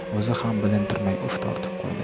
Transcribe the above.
o'zi ham bilintirmay uf tortib qo'ydi